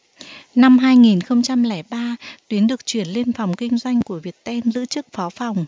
năm hai nghìn không trăm lẻ ba tuyến được chuyển lên phòng kinh doanh của viettel giữ chức phó phòng